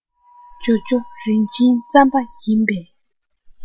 ཇོ ཇོ རིན ཆེན རྩམ པ ཡིན པས